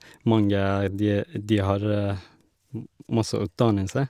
Mange, de e de har masse utdannelse.